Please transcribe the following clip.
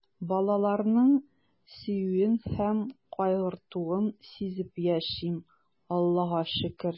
Балаларның сөюен һәм кайгыртуын сизеп яшим, Аллага шөкер.